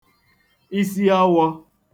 isiawọ̄